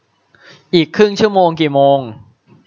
อีกครึ่งชั่วโมงกี่โมง